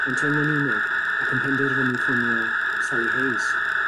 Mae'n teimlo'n unig ac yn penderfynu ffonio Sally Hayes.